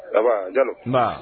Baba jalo kuma